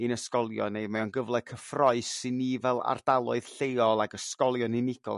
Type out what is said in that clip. i'n ysgolion ni mae o'n gyfle cyffroes i ni fel ardaloedd lleol ag ysgolion unigol